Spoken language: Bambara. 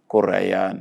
Kɔrɔya